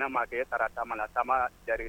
Maa taara taama ka taama jara